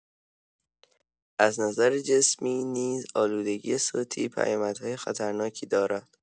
از نظر جسمی نیز آلودگی صوتی پیامدهای خطرناکی دارد.